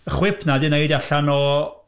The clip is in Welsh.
Y chwip 'na 'di wneud allan o...